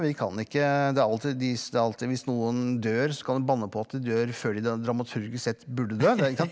vi kan ikke det er alltid de det er alltid hvis noen dør så kan du banne på at de dør før de dramaturgisk sett burde dø det er ikke sant.